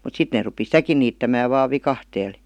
mutta sitten ne rupesi sitäkin niittämään vain viikatteella